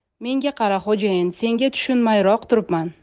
menga qara xo'jayin senga tushunmayroq turibman